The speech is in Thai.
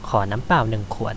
ขอน้ำเปล่าหนึ่งขวด